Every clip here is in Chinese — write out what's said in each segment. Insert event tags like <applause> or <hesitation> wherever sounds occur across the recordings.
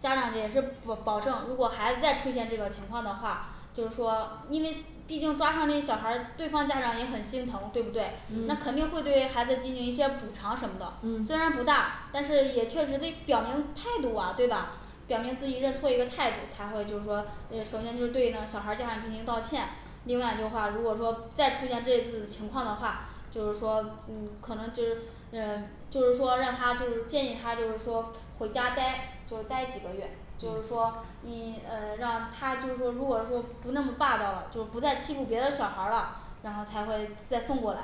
家长也是保保证如果孩子再出现这个情况的话就是说因为毕竟抓伤这小孩儿，对方家长也很心疼，对不对？ 那肯嗯定嗯会对孩子进行一些补偿什么嗯的，虽然不大，但是也确实得表明态度啊，对吧？表明自己认错儿一个态度，才会就是说那个首先就对那小孩儿家长进行道歉。 另外的话如果说再出现这次情况的话，就是说嗯可能就是嗯就是说让他就是建议他就是说回家待就是待几个月，就是说你呃让他就是说如果说不那么霸道了，就不再欺负别的小孩儿了，然后才会再送过来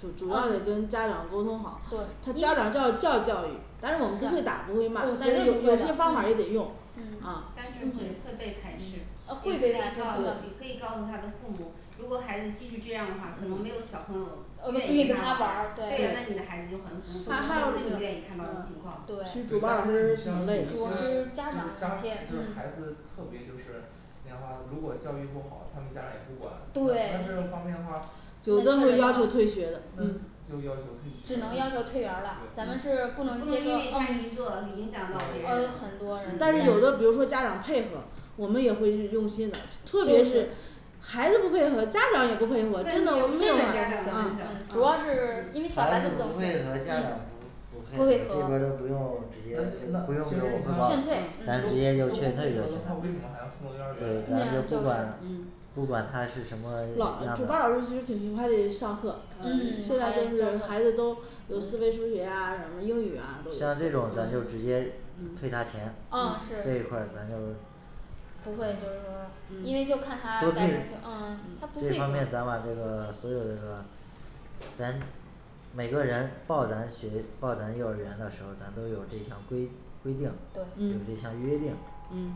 主主要就是跟家长沟通对好，他家长你教育教育，但是我们不会绝对不打不会骂，但是有会些方法也的得用嗯嗯啊但是会会被排斥啊，会也可被以排斥告真的你可以告诉他的父母，如果孩子继续这样儿的话，可能没有小朋友愿愿意意跟跟他他玩玩儿儿，对对对那你还的孩子就有很孤还独，有这不是就你愿意看是到的呃情况对对但是你像有那些，主就要是是家家长就是孩子嗯特别就是那样话，如果教育不好，他们家长也不管，那那这个对方面的话主动要求退学的那，就要只能要求求退退学了园儿了，咱们是不不能能因接着，为他一嗯个对，因影响到别嗯人很多人但是有的比为如说家长配合，我们也会用心的，特别是孩子不配合，家长也不问题就出配合，真的我们啊嗯在家长的身上啊主要就是嗯因为小孩孩子子不懂不事配合，儿，家嗯长不不不配配合,合这边儿就不用那那其实你看啊，都都不配合的话，为什么还直接这个，不用给我汇报劝了退咱直嗯接就劝退就行了要送到幼儿，对那咱园样们就就儿不是来管嗯不管他是什么，老像主班儿老师就是肯定他得上嗯，他得上课课，现在就是孩子都有思维数学呀什么的英语啊都像这种咱就直接退他钱啊。是，这一块儿咱就不会就是说，因为就嗯看他规改正定嗯他不这配合方面咱把这个所有这个咱每个人报咱学报咱幼儿园的时候儿，咱都有这项规规定，有对这嗯项约定。嗯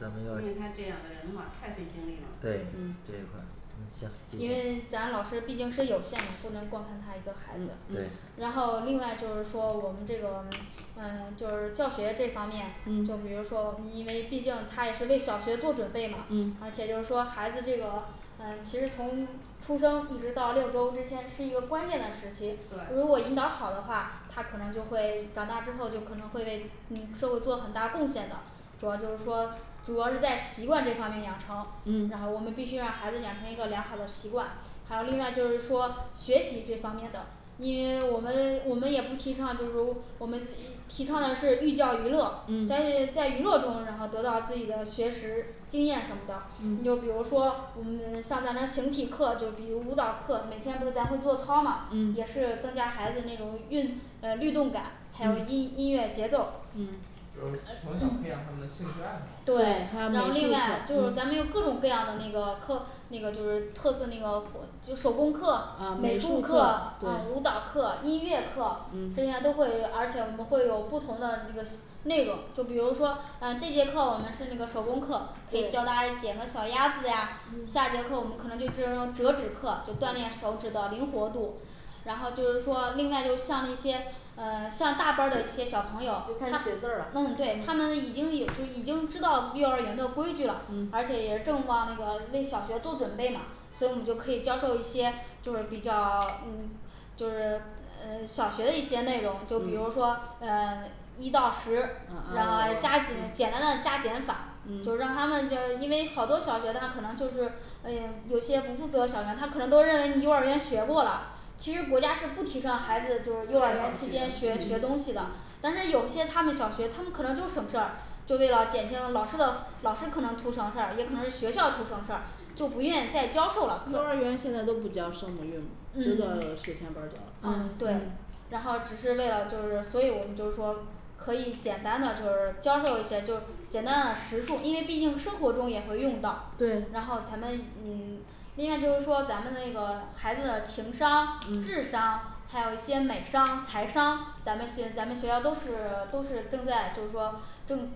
咱们因要，为他这样的人的话太费精力了对嗯，这块儿行继因为续咱老师毕竟是有限的，不能光看他一个孩子。对然后另外就是说我们这个呃就是教学这方面，就比嗯如说因为毕竟它也是为小学做准备嘛，而且嗯就是说孩子这个呃其实从出生一直到六周之间是一个关键的时期，如果引对导好的话，他可能就会长大之后就可能会为嗯社会做很大贡献的。主要就是说主要是在习惯这方面养成，然后我嗯们必须让孩子养成一个良好的习惯。还有另外就是说学习这方面的因为我们我们也不提倡就是我们提提倡的是寓教于乐，在嗯在娱乐中，然后得到自己的学识经验什么的。你就比嗯如说我们像在那形体课，就比如舞蹈课，每天不是咱会做操嘛，也是嗯增加孩子那种韵呃律动感还有音音乐节奏嗯就是从小培养他们的兴趣爱，好对对，他然后们进另行外就是咱们有嗯各种各样的那个课那个就是特色那个活，就手工课啊、美美术术课课啊，对、舞蹈课、音乐课这样嗯都会，而且我们会有不同的那个内容，就比如说呃这节课我们是那个手工课，可以教他对剪个小鸭子呀，下节课我们可能就是那种折纸课就锻炼手指的灵活度。然后就是说另外就是像那些呃像大班儿的一些小朋友就，开始他写字儿了，嗯，嗯对，他们已经有时候儿已经知道幼儿园的规矩了，而嗯且也正往那个为小学做准备嘛所以我们就可以教授一些就是比较嗯就是呃小学的一些内容，就比嗯如说呃一到啊啊哦十，然呃嗯后加减简单的加减法，就让他们嗯就是因为好多小学他可能就是呃有些不负责的小学，他可能都认为你幼儿园学过了其实国家是不提倡孩子就是幼儿小园期间学学学嗯东西的嗯，但是有些他们小学他们可能就省事儿就为了减轻老师的老师可能图省事儿，也可能是学校图省事儿，就不愿意再教授了，可幼儿园现在都不教声母儿韵母嗯儿，都叫学前班儿教了啊嗯，对对然后只是为了就是所以我们就是说可以简单的就是教授一些就是简单的识数儿，因为毕竟生活中也会用到，然对后咱们也另外就是说咱们那个孩子的情商、智嗯商，还有兼美商、财商，咱们学咱们学校都是都是正在就是说正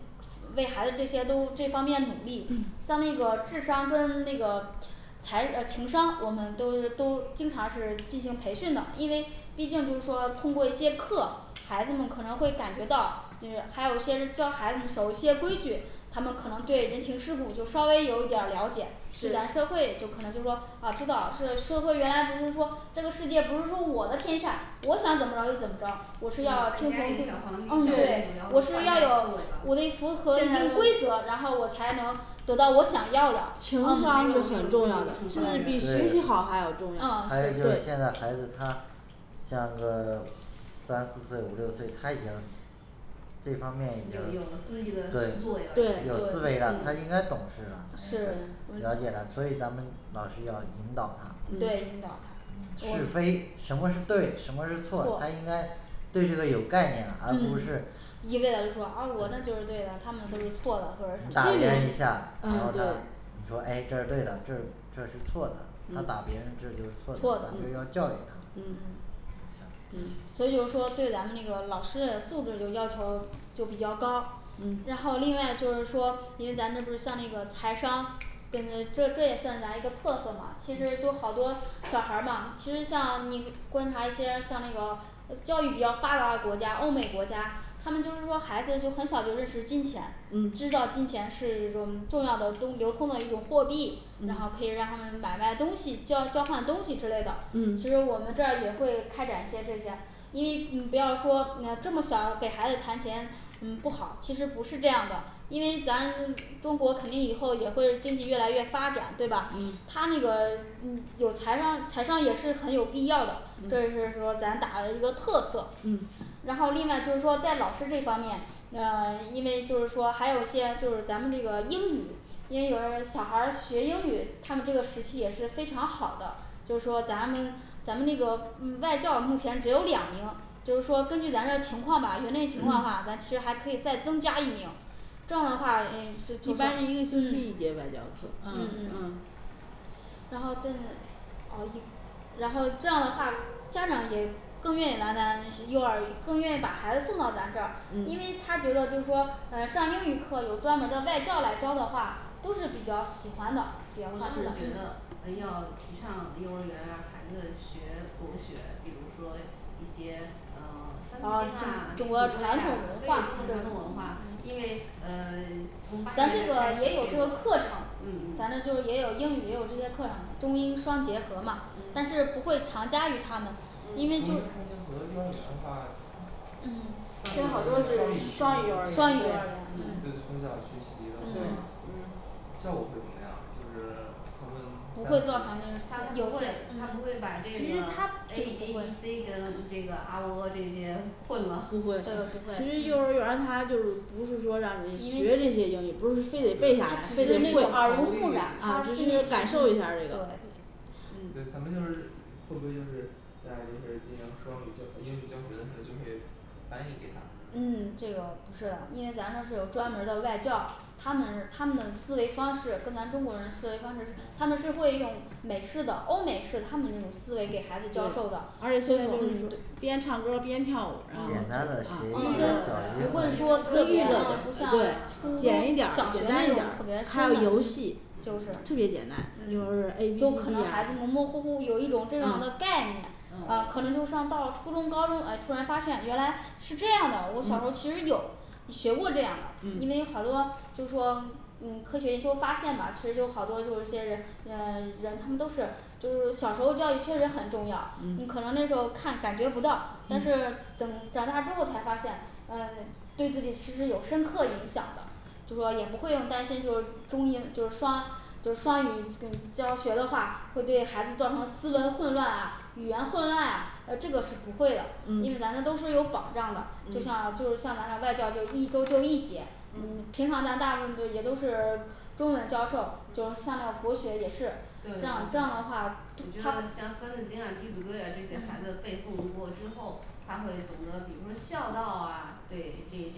为孩子这些都这方面努力，嗯像那个智商跟那个财呃情商我们都是都经常是进行培训的，因为毕竟不是说通过一些课，孩子们可能会感觉到就是还有些是教孩子们守一些规矩，他们可能对人情世故就稍微有一点儿了解就咱社会就可能就说啊知道是说社会原来不是说这个世界不是说我的天下，我想怎么着就怎么对嗯在家也是着，我是要自从小皇帝，小公嗯，主对，然后，我幻象是要有我得符思合现一定在规维都则，了然后我才能得到我想要的情没有没有规矩不成方商，嗯，对圆比学习对好还要还有重要就是现在孩子他像个 <silence> 三四岁五六岁他已经这方面已经有有自己的，对，有对思思维维了，对他了已经应该嗯懂事了，是嗯了解了，所以咱们老师要引导他对，引嗯导他是我非什么是对，什么是错，他应错该对这个有概念了，而不是嗯，对一味的就是说啊我那就是对的，他们那都是错的，或者什你打么人家一下，然嗯，后他你对说诶这是对的，这是这是错的，他打别人嗯这就是错错的的，咱就要教育他。嗯嗯所嗯以就是说对咱们那个老师的素质就要求就比较高嗯，然后另外就是说因为咱这不是像那个财商跟这这也算咱一个特色嘛，其实就好多小孩儿嘛其实像你观察一些像那个呃教育比较发达的国家，欧美国家他们就是说孩子就很小就认识金钱，知嗯道金钱是一种重要的东流通的一种货币，然后可以嗯让他们买卖东西需要交换东西之类的。其实我们这儿也会开展一些这些因为你不要说嗯这么小给孩子谈钱嗯不好，其实不是这样的，因为咱中国肯定以后也会经济越来越发展对吧？ 他嗯那个呃有财商财商也是很有必要的，这嗯是说咱打的一个特色嗯。 然后另外就是说在老师这方面，呃因为就是说还有一些就是咱们这个英语，因为有的小孩儿学英语，他们这个时期也是非常好的，就是说咱们咱们那个嗯外教目前只有两名，就是说根据咱这个情况吧园内情况哈，咱 <crosstalk> 其实还可以再增加一名，这样的话呃是一就是般是一星期一节外嗯教课，嗯嗯嗯嗯然后跟嗷一然后这样的话家长也更愿意来咱幼儿，更愿意把孩子送到咱这儿，因为嗯他觉得就是说呃上英语课有专门儿的外教来教的话，都是比较喜欢的，比较我倒实是用的，嗯，哦，中中国觉传统文化，咱得这个也有这个课程，咱那就是也有英语也有这些课程中英双结合嘛，但是不会强加于他们，因为要呃提倡幼儿园让孩子学国学，比如说一些呃三字经啊哦弟，子规呀中，对中中国国传统文化，是传统文化，因为呃从八十咱这年代个开也始有，这这个个课程，嗯，嗯咱那就是也有英语也有这些课程中英双结合嘛，但是嗯不会强加于他们，中英双结合幼因为嗯就儿园的话他嗯，双双双语语幼幼儿儿园语双语园幼，是不儿是，嗯对从园小学嗯习的，，话嗯，嗯，效果会怎么样，就是他不会造成们就他单词他不是会，嗯他不会把这个其 A 实他这 A 个不会 B C跟这个啊喔呃这这些混了 <noise> 不不会，会这个不会其实幼儿园儿它就是不是说让你因学这些英语，不是非得背为下它来，是只是一那个种口口语，语对，他心里感受一下儿这个。对咱嗯们就是会不会就是在就是进行双语教呃英语教学的时候儿就会翻译给他嗯，这个不是的，因为咱这儿是有专门儿的外教，他们他们的思维方式跟咱中国人思维方式，他们是会用美式的欧美式他们那种思维给孩子教授的，而且而且是那那种种嗯就边唱歌儿边跳舞。然后，啊简单的学一下不会因说，为儿特特别别不对像对初中嗯小学那种，嗯特别还有游戏就是特别嗯嗯简单幼儿园A B C 就，可能孩呀子模模糊糊有一种这样的概念呃可能啊哦就上到初中高中诶突然发现原来是这样的，我小时候儿其嗯实有你学过这样的，因为嗯好多就是说嗯科学研究发现嘛其实就好多就有些人嗯人他们都是就是小时候儿教育确实很重要，你嗯可能那时候儿看感觉不到，但嗯是等长大之后才发现呃对自己其实有深刻影响的就是说也不会用担心就是中英就是双就是双语嗯教学的话会对孩子造成斯文混乱啊语言混乱啊，呃这个是不会的，因为咱那嗯都是有保障的，就像嗯就是像咱那外教就一周就一节嗯，平常嗯咱大部分都也都是中文教授，就是嗯像那种国学也是对对这样这样的对话我觉得我觉，他，嗯得像三字经啊弟子规啊这些孩子背诵过之后，他会懂得比如说孝道啊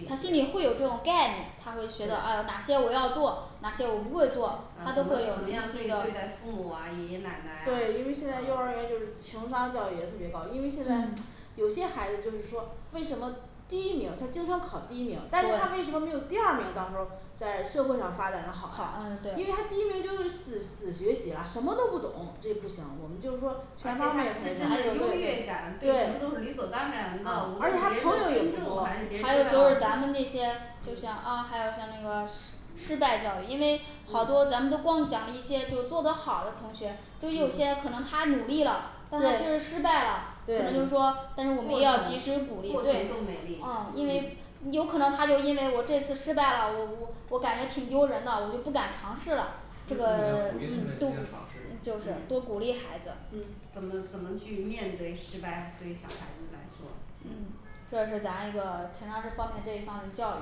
他心里会有这种概念，他会觉得诶哪对些我要做，哪些我不会做，他啊都怎么会那样怎么样去对对个待父母啊爷爷奶奶啊，对，因为现在幼儿园嗯就是情商教育也特别高，因为现在嗯有些孩子就是说为什么第一名他经常考第一名，但是他为什对么没有第二名，到时候儿在社会上发展的好啊嗯，对因为他第一名就是死死学习了什么都不懂，这不行，我们就是说而且全方他面发自身的优越展感，对什对么都是理所当然，的，嗯无，而论且是他别朋人的友也挺尊多，重还是嗯别人，还有就是咱们那些嗯就像啊还有像那个失败教育，因为好多咱们嗯都光奖励一些就做的好的同学，就有些嗯可能他努力了，但他是失对失败了，可能就是对说过程过但是我们要及时鼓励，程最对对美丽，嗯，因为嗯有可能他就因为我这次失败了，我我我感觉挺丢人的，我就不敢尝试了要鼓励他，这个 <silence> 嗯，们进动行尝，试就是多嗯鼓励孩子，嗯怎么怎么去面对失败，对小孩子来说，嗯嗯这是咱一个平常这方面这一方面的教育，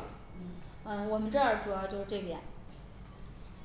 嗯嗯我们这儿主要就是这点。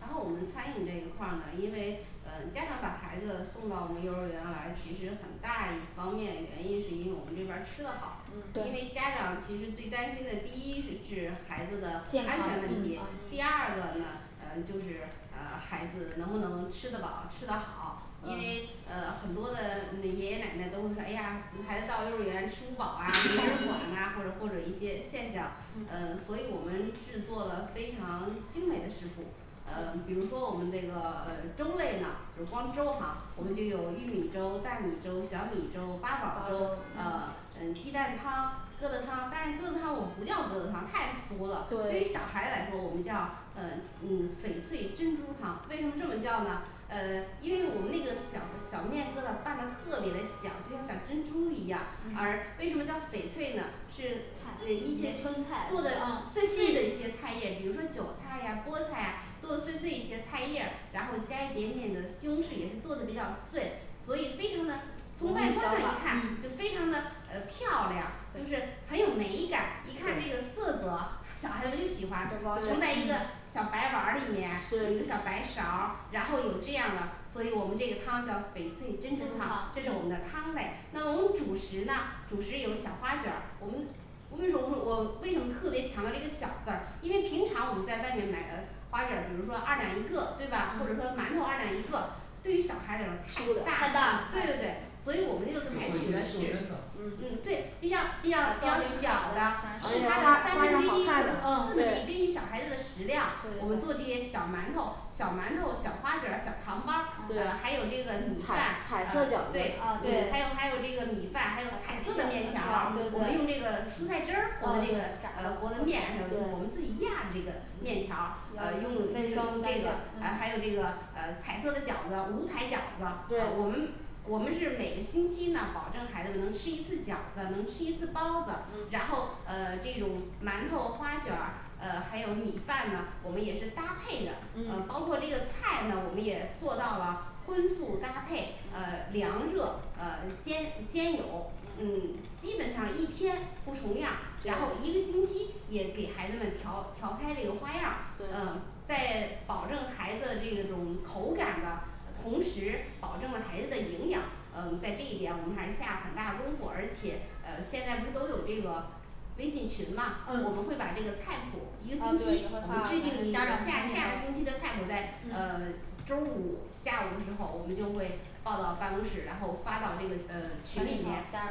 然后我们餐饮这一块儿呢，因为呃家长把孩子送到我们幼儿园来，其实很大一方面原因是因为我们这边儿吃的嗯好，，对因为家长其实最担心的第一是是孩子的健康安，全问嗯题，第嗯二啊个呢呃就是呃孩子能不能吃得饱吃得好，因为嗯呃很多的那爷爷奶奶都会说诶呀我们孩子到幼儿园吃不饱啊，没人管 <hesitation> 呢或者或者一些现象，呃所嗯以我们制作了非常精美的食谱儿，呃比如嗯说我们那个呃粥类呢就是光粥哈，我们就有嗯玉米粥、大米粥小米粥、八八宝宝粥粥，、啊嗯呃鸡蛋汤疙瘩汤，但是疙瘩汤我们不叫疙瘩汤，太俗了。 对于小对孩来说我们叫呃嗯翡翠、珍珠汤为什么这么叫？呃因为我们那个小小面疙瘩拌的特别的小，就像小珍珠一样，而为嗯什么叫翡翠呢？是呃一些青菜菜，剁做的的啊碎碎的一些菜叶，比如说韭菜呀、菠菜呀剁得碎碎一些菜叶儿，然后加一点点的西红柿也是剁的比较碎所以非常的从外观上一看就嗯非常的呃漂亮，就是很对有美感，一看这个色泽，小孩子就喜欢盛在一个小嗯白碗儿里面，一个小是白勺儿，然后有这样的，所以我们这个汤叫翡翠珍珍珠珠汤汤，这，是我们的汤类，那么我们主食呢主食有小花卷儿，我们我为什么说我为什么特别强调这个小字儿？ 因为平常我们在外面买的花卷儿，比如说二两一个对吧？或者说嗯馒头二两一个，对于小孩吃有不点儿太太了大了大，，他对对对吃，所以我就做们一就采取的些是袖珍的嗯嗯对比较比较比较小的是它的三分之一或者四分嗯之一，根对据小孩子的食对对对量，我们做这些小馒头小馒头、小花卷儿、小糖包儿啊，呃还有这对个米饭彩、彩色饺子啊嗯，对对，嗯还有嗯还有这个米饭，还有彩彩色色的的面面条条儿儿，对，我们用这对个蔬菜汁嗯儿活的这个对呃活的面，还有就是我们自对己压的这个面条儿，嗯呃因为我们卫生这个呃还有这个嗯呃彩色的饺子，五彩饺子，呃我们对我们是每个星期呢保证孩子们能吃一次饺子，能吃一次包子，然后嗯呃这种馒头、花卷儿，呃还有米饭呢，我们也是搭配着，呃包嗯括这个菜呢我们也做到了荤素搭配，呃嗯凉热，呃煎煎油嗯基本上一天不重样儿，然后一个对星期也给孩子们调调开这个花样儿嗯对在保证孩子这种口感的呃同时，保证了孩子的营养，呃在这一点我们还是下了很大功夫，而且呃现在不是都有这个微信群嘛，我们会嗯把这个菜啊谱一对个咱星们期我们发制给群定里下下个星期的菜谱，在呃嗯周儿五下午的时候儿我们就会报到办公室，然后发到这个呃家长群群里里头面，呃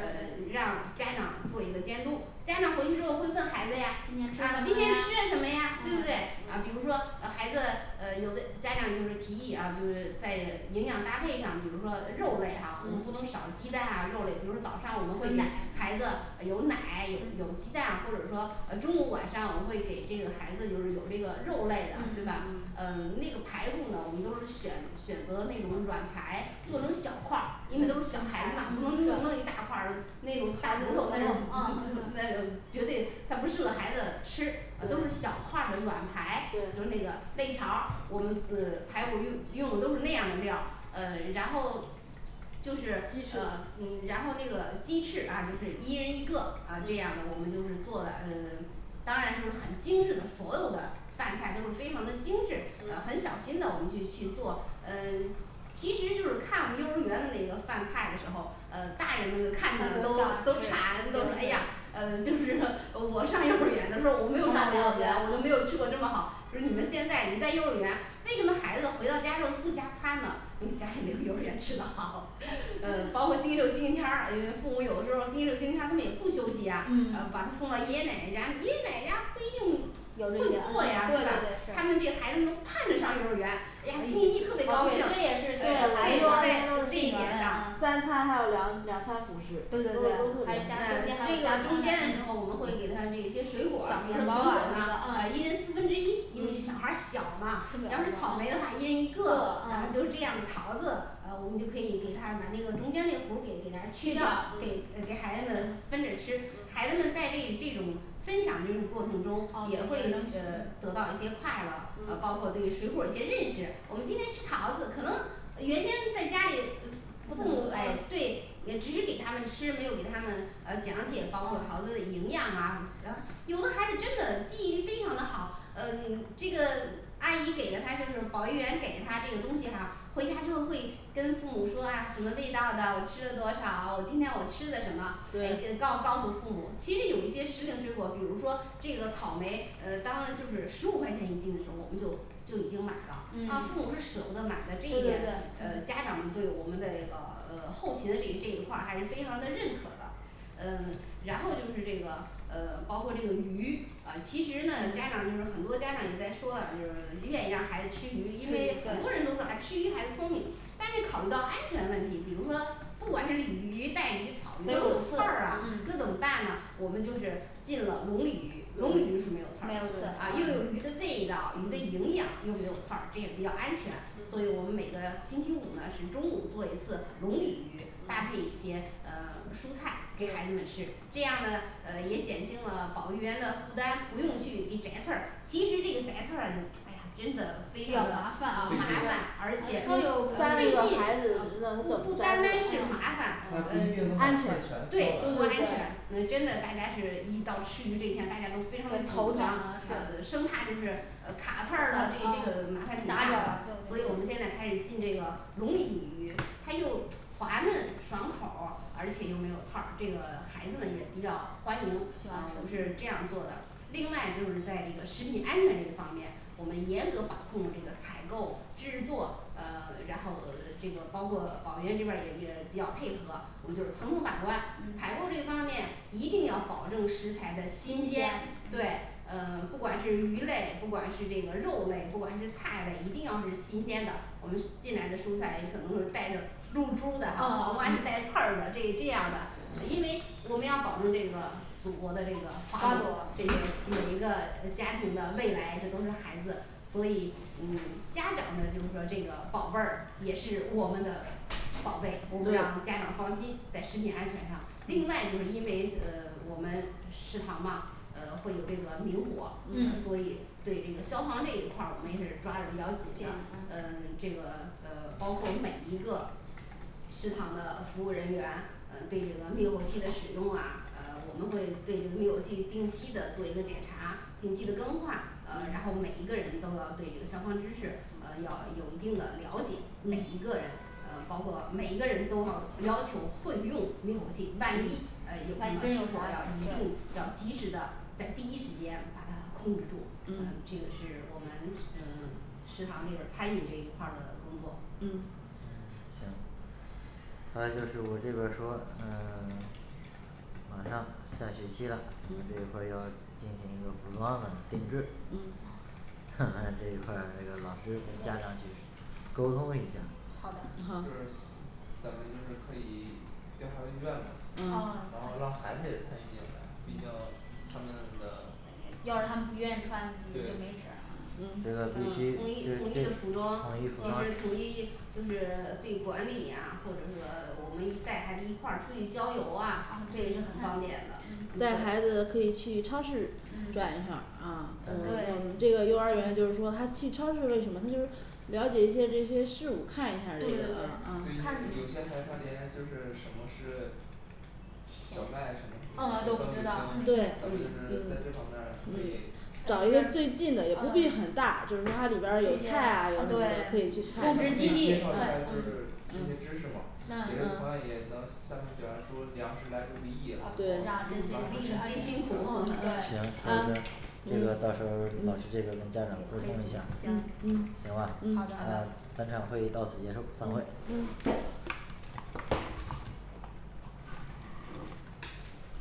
让家长群长做一个监督。 家长回去之后会问孩子呀啊今今天天吃了吃什什么么呀呀对不嗯对？啊比如说嗯呃孩子呃有的家长就是提议啊就是在营养搭配上，比如说肉类哈我们不能少嗯鸡蛋啊，肉类比如早上我们会给还有奶孩子呃有奶有有鸡嗯蛋，或者说呃中午晚上我会给这个孩子就是有这个肉类的嗯对吧嗯？嗯呃那个排骨呢我们都是选选择那种软排做成小块儿嗯，因为都是小小孩孩子子嘛嘛，不能弄弄一大块儿那种大排骨那种 <noise> 嗯呃，嗯嗯绝对它不适合孩子吃，呃都是小对块儿的软排就是那对个肋条儿，我们呃排骨用的用的都是那样的料儿，呃然后就是鸡翅呃嗯然后那个鸡翅啊就是一人一个啊这样的，我嗯们就是做的呃当然就是很精致的，所有的饭菜都是非常的精致，呃很小嗯心的我们去去做呃其实就是看我们幼儿园的那个饭菜的时候，呃大人都都想们都看见了都都馋吃，都对说对哎呀对呃就是我上幼儿园的时候儿我没有啊对上幼儿园，我都没有吃啊过这么好，就你们现在你在幼儿园为什么孩子回到家之后他不加餐呢？因为家里没有幼儿园吃的好， <noise> 嗯包括星期六星期天儿，呃父母有的时候儿星期六星期天他们也不休息呀，呃把他嗯送到爷爷奶奶家，爷爷奶奶家不一定不有的会对对对，做呀对吧？ 他们这是孩子们都盼着上幼儿园，诶呀，星期一特别高我兴觉这在这一得也点是，上，这对，孩子三餐还有两两餐辅食对对对，还加个餐，中中间间的时还候儿，我们会加餐会给他这些水果儿，比如苹果呢一人嗯四分之一，因为小孩小吃吗不，要是草莓的话一人一一了个个啊啊就是这样的桃子，啊我们就可以给他把那个中间那个核给给他去去掉掉，给呃嗯给孩子们分着吃，孩子们在这这种分享这个过程啊对他中也会呃们得到一些快乐，呃包括嗯对于水果儿一些认识。我们今天吃桃子可能呃原先在家里嗯父父母母，啊诶对也只是给他们吃，没有给他们呃讲解，包括桃子的啊营养啊，呃有的孩子真的记忆力非常的好，呃这个阿姨给了他就是，保育员给他了这个东西哈回家之后会跟父母说呀什么味道的，我吃了多少，我今天我吃的什么，诶就对告告诉父母其实有一些食品水果儿，比如说这个草莓，呃当然就是十五块钱一斤的时候儿，我们就就已经买了，啊嗯父母是舍不得买的，这对对一对点，呃嗯家长们对我们这个呃后勤的这一这一块儿还是非常的认可的。呃然后就是这个呃包括这个鱼啊，其实呢家长嗯就是很多家长也在说了就是愿意让孩子吃吃鱼，因鱼为对很多人都说啊吃鱼孩子聪明但是考虑到安全问题，比如说不管是鲤鱼带鱼草鱼都都有有刺刺儿啊那嗯怎么办嗯呢？我们就是进了龙鲤鱼，龙鲤鱼是对没没有有刺刺儿啊又嗯有鱼嗯的味道，鱼的营养嗯又没有刺儿，这也比较安全，所以我们嗯每个星期五呢是中午做一次龙鲤鱼，搭配一嗯些呃蔬菜给孩子们吃对，这样呢呃也减轻了保育员的负担，不用去嗯给摘刺儿，其实这个摘刺儿啊就哎呀真的非比较常的麻啊麻烦烦，确实而且呃最呃这近个孩子真啊不不的单单是麻啊烦他呃，不一对啊定能不把安安刺全全儿全挑对完对对呃真的大家是一到吃鱼这天大家都非常的紧头疼张，了啊是生怕就是卡刺儿了这个这个嗯啊麻烦挺大，所以我们现在开始进这个龙鲤鱼，它又滑嫩爽口儿，而且又没有刺儿，这个孩子们也比较欢迎呃我都喜欢们，吃是这样做的。另外就是在这个食品安全这一方面，我们严格把控着这个采购、制作，呃然后呃这个包括保育员这边儿也也比较配合，我们就是层层把关，采嗯购这方面一定要保证食材的新新鲜鲜。对，嗯呃不管是鱼类不管是这个肉类，不管是菜类一定要是新鲜的，我们进来的蔬菜也可能说带着露珠儿的哈啊黄瓜是啊带刺是儿的这这样的，因为我们要保证这个祖国的这个花花朵朵儿对儿每一个呃家庭的未来，这都是孩子，所以嗯家长呢就是说这个宝贝儿也是我们的宝贝，我们让家长对放心在食品安全上。另外就是因为呃我们食堂嘛呃会有这个明火，呃所嗯以对这个消防这一块儿我们也是抓的比较紧紧的呃的这个，呃包括每一个食堂的服务人员呃对这个灭火器的使用啊，呃我们会对这个灭火器定期的做一个检查，定期的更换，呃然后每一个人都要对这个消防知识呃要有一定的了解，每一个人呃包括每一个人都要要求会用灭火器，万一呃有失火万一真有火儿了儿，一定要对及时的在第一时间把它控制住，呃这个嗯是我们嗯食堂这个餐饮这一块儿的工作。嗯行还有就是我们这边儿说呃晚马上下学期了，你这一块儿要进行一个服装的定制，嗯那咱 <noise> 这一块儿那个老师跟家长去沟通一下儿，好的就好是咱们就是可以调查问卷嘛，嗯然嗯后让孩子也参与进来，毕竟他们的，对要是他们不愿意穿你就没辙对儿嗯这个必统一须统一这是这的服统装及一时服装统一，就是对管理呀或者说我们一带孩子一块儿出去郊游啊这也是嗯很方便的嗯对带嗯孩子可以去超市转一圈儿对啊，这对个幼儿园就是说他去超市为什么？他就是了解一些这些事物看一下儿这对个呃对对对有看呃，些孩子他连就是什么是小麦什么什么嗯，都都不是知跟，道咱们嗯就是嗯对在这方面儿可以嗯找一个最近的也不必嗯很大，就是它里这些边儿有菜呀有什么可以对去可以介绍一下儿就看一下儿，啊，种对植基，地啊对是，嗯，这些嗯知识嘛，也嗯嗯，是同好样嗯也能介绍出粮食来之不易然的后让这些粒粒皆辛苦嗯对行 <noise>。这个到时候老师这边跟家长沟通一下，行行吧，好好的，的本场会议到此结束，散会。嗯